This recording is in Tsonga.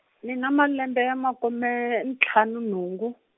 ni na malembe ya makume ntlhanu nhungu.